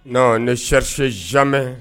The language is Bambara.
Non ne cherchez jamais